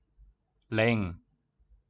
เล็ง